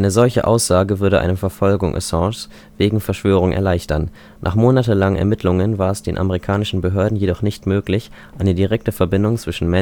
solche Aussage würde eine Verfolgung Assanges wegen Verschwörung erleichtern. Nach monatelangen Ermittlungen war es den amerikanischen Behörden jedoch nicht möglich, eine direkte Verbindung zwischen